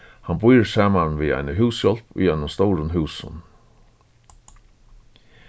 hann býr saman við eini húshjálp í einum stórum húsum